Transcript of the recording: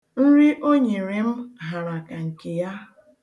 Nri o nyere m hara ka nke ya.